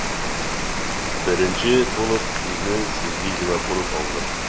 Беренче булып сүзне Сергей Винокуров алды.